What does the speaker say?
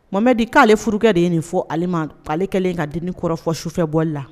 Wamɛ di k'ale furakɛkɛ de ye nin fɔ ale ma k'ale kɛlen ka di kɔrɔfɔ fɔ sufɛbɔli la